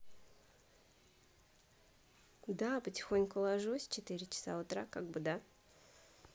да потихоньку ложусь в четыре часа утра как бы да